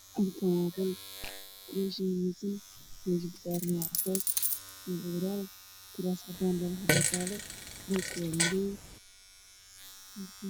Halkaan waa qol midabkiisu yahay dahabi waxaa yaalo labo kuraas midabkoodu waa cadaan